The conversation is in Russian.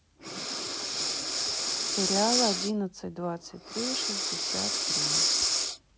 сериал одиннадцать двадцать три шестьдесят три